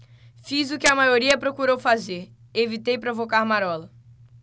fiz o que a maioria procurou fazer evitei provocar marola